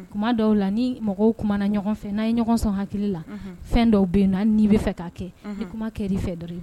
Kuma dɔw la ni mɔgɔw kuma na ɲɔgɔn fɛ n'a ye ɲɔgɔn sɔn hakili la fɛn dɔw bɛna n' bɛ fɛ ka kɛ kuma kɛ i fɛ dɔ